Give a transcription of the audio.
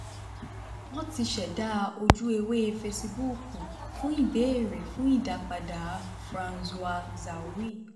Wọ́n ti ṣẹ̀dá ojúewé Facebook fún ìbéèrè fún ìdápadà François Zahoui.